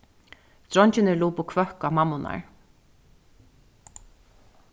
dreingirnir lupu hvøkk á mammurnar